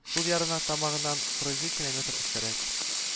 Сул ярына тамагыннан кырык ике километр өстәрәк